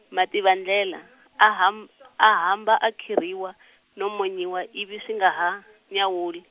Mativandlela a ham- a hamba a khirhiwa no monyiwa ivi swi nga ha, nyawuli.